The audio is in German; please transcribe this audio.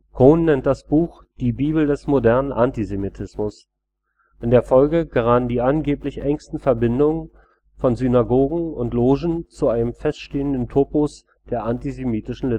Cohn nennt das Buch die „ Bibel des modernen Antisemitismus “. In der Folge gerann die angeblich engste Verbindung von Synagogen und Logen zu einem feststehenden Topos der antisemitischen